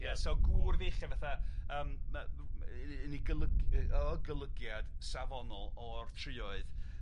Ie so gŵr feichiad fatha yym ma' m- m- yy yn ei gelyg- yy o golygiad safonol o'r trioedd